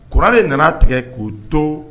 Kɔrɔlen nana tigɛ k'o don